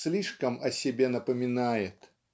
слишком о себе напоминает.